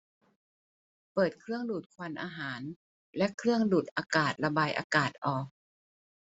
เปิดเครื่องดูดควันอาหารและเครื่องดูดอากาศระบายอากาศออก